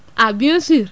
ah bien sûr